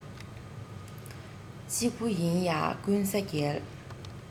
གཅིག པུ ཡིན ང ཀུན ས རྒྱལ